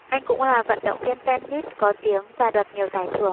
anh cũng là vận động viên tennis có tiếng và đoạt nhiều giải thưởng